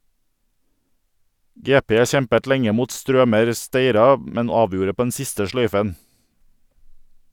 «GP» kjempet lenge mot Strømer Steira, men avgjorde på den siste sløyfen.